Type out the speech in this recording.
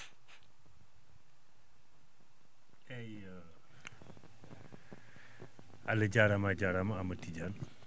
eeyi Allah jaaraama a jaaraama Amadou Tidiane